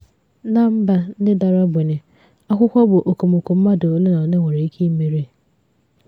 Na mba ndị dara ogbenye, akwụkwọ bụ okomoko mmadụ olenaole nwere ike imeli.